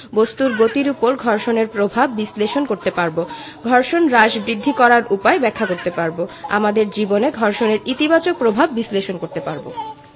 বস্তুর গতির উপর ঘর্ষণের প্রভাব বিশ্লেষণ করতে পারব ঘর্ষণ হ্রাস বৃদ্ধি করার উপায় ব্যাখ্যা করতে পারব আমাদের জীবনে ঘর্ষণের ইতিবাচক প্রভাব বিশ্লেষণ করতে পারব